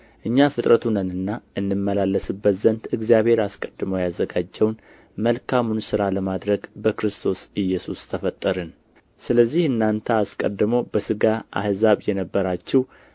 እኛ ፍጥረቱ ነንና እንመላለስበት ዘንድ እግዚአብሔር አስቀድሞ ያዘጋጀውን መልካሙን ሥራ ለማድረግ በክርስቶስ ኢየሱስ ተፈጠርን ስለዚህ እናንተ አስቀድሞ በሥጋ አሕዛብ የነበራችሁ